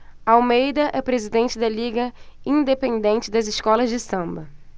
almeida é presidente da liga independente das escolas de samba